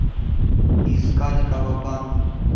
искать кавабангу